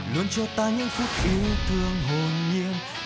luôn cho ta những phút yêu thương hồn nhiên